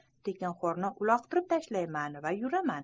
tekinxo'rni uloqtirib tashlayman va yuraman